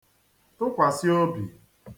tụkwàsị obì